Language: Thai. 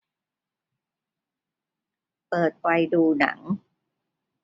เปิดไฟดูหนัง